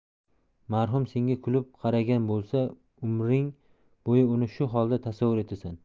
marhum senga kulib qaragan bo'lsa umring bo'yi uni shu holda tasavvur etasan